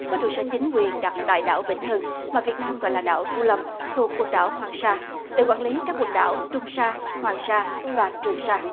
có trụ sở chính quyền đặt tại đảo vĩnh hưng mà việt nam gọi là đảo phú lâm thuộc quần đảo hoàng sa để quản lý các quần đảo trường sa hoàng sa và trường sa